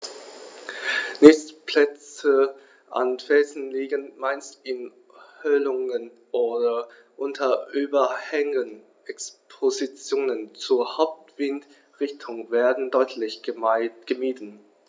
Nistplätze an Felsen liegen meist in Höhlungen oder unter Überhängen, Expositionen zur Hauptwindrichtung werden deutlich gemieden.